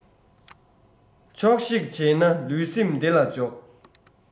ཆོག ཤེས བྱས ན ལུས སེམས བདེ ལ འཇོག